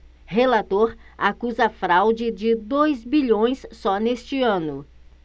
relator acusa fraude de dois bilhões só neste ano